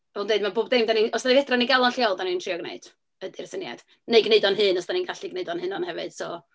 Fel dwi'n deud, mae bob dim dan ni... os fedra ni gael o'n lleol dan ni'n trio gwneud, ydi'r syniad. Neu gwneud o'n hun os dan ni'n gallu gwneud o'n hunain hefyd, so...